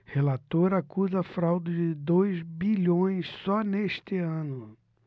relator acusa fraude de dois bilhões só neste ano